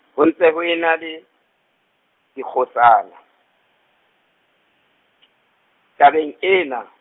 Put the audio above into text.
ho ntse ho ena le dikgohlano , tabeng ena.